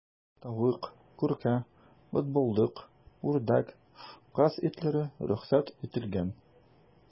Тавык, күркә, бытбылдык, үрдәк, каз итләре рөхсәт ителгән.